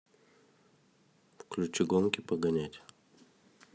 включи гонки погонять